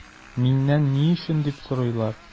Миннән “ни өчен” дип сорыйлар.